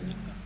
d' accord